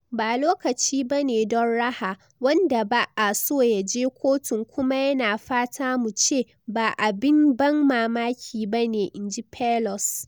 "Ba lokaci ba ne don raha, wanda ba'a so ya je kotun kuma yana fata mu ce, 'ba abin ban mamaki ba ne,' in ji Pelos.